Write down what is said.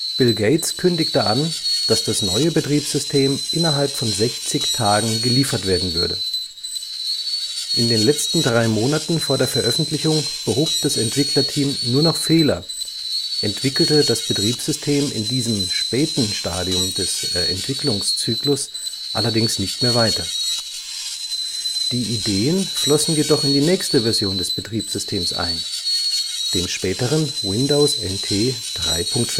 Bill Gates kündigte an, dass das neue Betriebssystem innerhalb von 60 Tagen geliefert werden würde. In den letzten drei Monaten vor der Veröffentlichung behob das Entwicklerteam nur noch Fehler, entwickelte das Betriebssystem in diesem späten Stadium des Entwicklungszyklus allerdings nicht mehr weiter. Die Ideen flossen jedoch in die nächste Version des Betriebssystems ein, dem späteren Windows NT 3.5